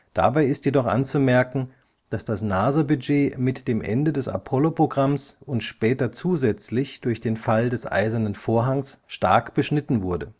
Dabei ist jedoch anzumerken, dass das NASA-Budget mit dem Ende des Apollo-Programms und später zusätzlich durch den Fall des Eisernen Vorhangs stark beschnitten wurde